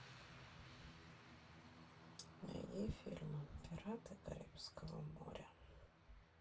найди фильмы пираты карибского моря